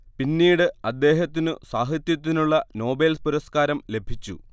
പിന്നീട് അദ്ദേഹത്തിനു സാഹിത്യത്തിനുള്ള നോബേൽ പുരസ്കാരം ലഭിച്ചു